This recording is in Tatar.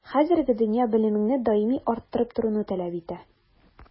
Хәзерге дөнья белемеңне даими арттырып торуны таләп итә.